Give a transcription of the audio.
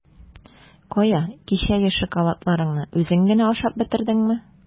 Кая, кичәге шоколадларыңны үзең генә ашап бетердеңме?